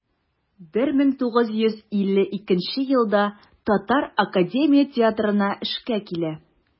1952 елда татар академия театрына эшкә килә.